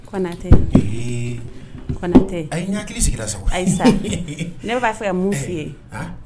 Kɔntɛtɛ ayi ya sigira sago ayi ne b'a fɛ ka mun fi ye